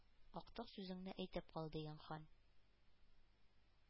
Актык сүзеңне әйтеп кал,— дигән хан.